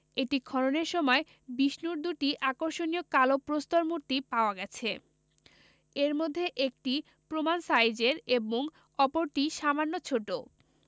এটি খননের সময় বিষ্ণুর দুটি আকর্ষণীয় কালো প্রস্তর মূর্তি পাওয়া গেছে এর মধ্যে একটি প্রমাণ সাইজের এবং অপরটি সামান্য ছোট